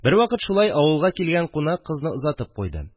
Бервакыт шулай авылга килгән кунак кызны озатып куйды